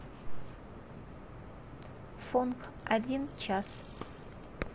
фонк один час